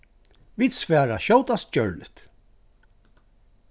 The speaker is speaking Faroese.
vit svara skjótast gjørligt